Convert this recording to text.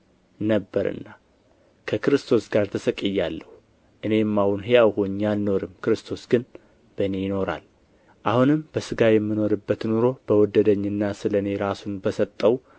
ነበርና ከክርስቶስ ጋር ተሰቅዬአለሁ እኔም አሁን ሕያው ሆኜ አልኖርም ክርስቶስ ግን በእኔ ይኖራል አሁንም በሥጋ የምኖርበት ኑሮ በወደደኝና ስለ እኔ ራሱን በሰጠው